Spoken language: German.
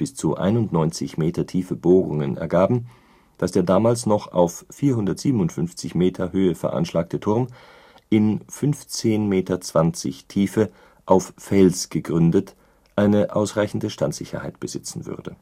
zu 91 Meter tiefe Bohrungen ergaben, dass der damals noch auf 457 Meter Höhe veranschlagte Turm, in 15,2 Meter Tiefe auf Fels gegründet, eine ausreichende Standsicherheit besitzen würde